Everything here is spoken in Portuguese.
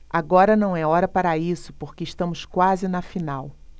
agora não é hora para isso porque estamos quase na final